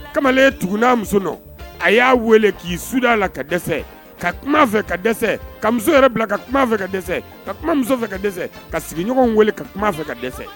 Kamalen tugunen a muso nɔ, a y'a wele, k'i suda a la ka dɛsɛ, ka kuma a fɛ ka dɛsɛ, ka muso yɛrɛ bila ka kuma fɛ ka dɛsɛ, ka kuma muso fɛ ka dɛsɛ, ka sigiɲɔgɔnw wele ka kuma fɛ ka dɛsɛ.